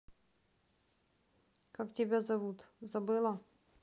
как тебя зовут забыла